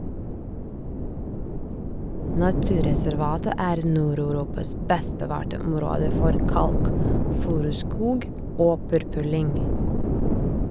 Naturreservatet er Nord-Europas best bevarte område for kalkfuruskog og purpurlyng.